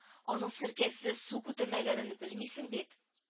Аның серкәсе су күтәрмәгәнен белмисең бит